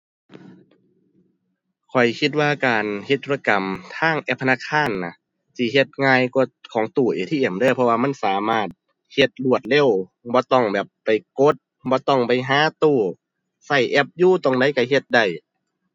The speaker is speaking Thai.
ข้อยคิดว่าการเฮ็ดธุรกรรมทางแอปธนาคารน่ะ สิเฮ็ดง่ายกว่าของตู้ ATM เด้อ เพราะว่ามันสามารถเฮ็ดรวดเร็ว บ่ต้องแบบไปกด บ่ต้องไปหาตู้ ใช้แอปอยู่ตรงใดใช้เฮ็ดได้